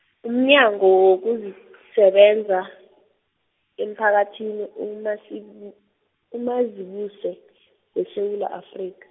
umnyango wokuzisebenza, emphakathini uMasibu- uMazibuse, weSewula Afrika.